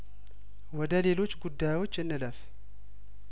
ወደ ሌሎች ጉዳዮች እንለፍ